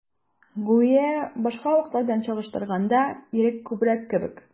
Гүя башка вакытлар белән чагыштырганда, ирек күбрәк кебек.